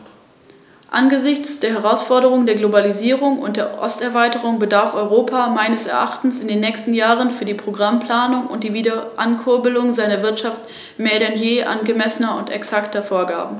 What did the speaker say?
Mir als Österreicher, aber ich glaube, uns allen ist noch die Katastrophe in lebendiger Erinnerung, die im vergangenen Jahr im Tauerntunnel zahlreiche Menschenleben gekostet hat und wo anschließend viele Monate lang mit gigantischem finanziellem Aufwand wiederaufgebaut werden musste, was bei diesem Brand im Tunnel zerstört worden ist.